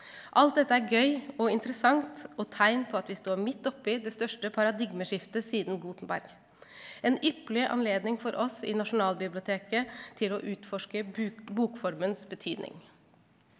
alt dette er gøy og interessant og tegn på at vi står midt oppi det største paradigmeskiftet siden Gutenberg en ypperlig anledning for oss i Nasjonalbiblioteket til å utforske bokformens betydning.